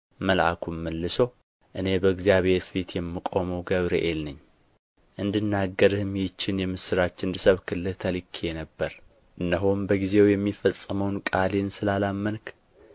መልአኩም መልሶ እኔ በእግዚአብሔር ፊት የምቆመው ገብርኤል ነኝ እንድናገርህም ይህችንም የምሥራች እንድሰብክልህ ተልኬ ነበር እነሆም በጊዜው የሚፈጸመውን ቃሌን ስላላመንህ